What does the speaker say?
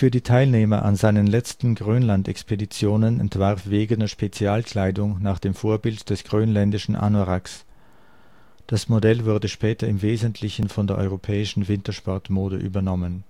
die Teilnehmer an seinen letzten Grönlandexpeditionen entwarf Wegener Spezialkleidung nach dem Vorbild des grönländischen Anoraks. Das Modell wurde später im Wesentlichen von der europäischen Wintersportmode übernommen